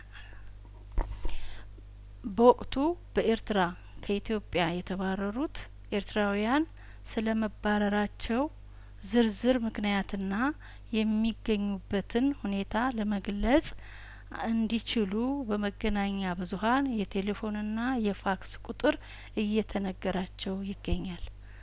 በወቅቱ በኤርትራ ከኢትዮጵያ የተባረሩት ኤርትራውያን ስለመባረራቸው ዝርዝር ምክንያትና የሚገኙበትን ሁኔታ ለመግለጽ እንዲችሉ በመገናኛ ብዙሀን የቴሌፎንና የፋክስ ቁጥር እየተነገራቸው ይገኛል